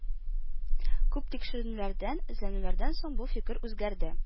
Күп тикшеренүләрдән, эзләнүләрдән соң бу фикер үзгәрде